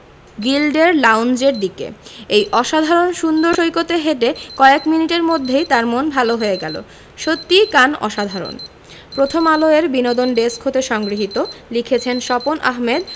গিল্ডের লাউঞ্জের দিকে এই অসাধারণ সুন্দর সৈকতে হেঁটে কয়েক মিনিটের মধ্যেই তার মন ভালো হয়ে গেল সত্যিই কান অসাধারণ প্রথমআলো এর বিনোদন ডেস্ক হতে সংগৃহীত লিখেছেনঃ স্বপন আহমেদ